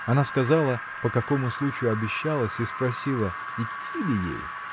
Она сказала, по какому случаю обещалась, и спросила: идти ли ей?